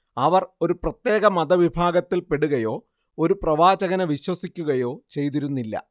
അവർ ഒരു പ്രത്യേക മതവിഭാഗത്തിൽപ്പെടുകയോ ഒരു പ്രവാചകനെ വിശ്വസിക്കുകയോ ചെയ്തിരുന്നില്ല